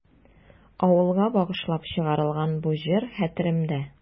Авылга багышлап чыгарылган бу җыр хәтеремдә.